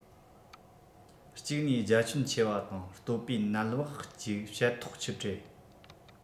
གཅིག ནས རྒྱ ཁྱོན ཆེ བ དང སྟོད བའི ནད བག ཅིག བཤད ཐག ཆོད རེད